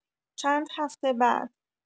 چند هفته بعد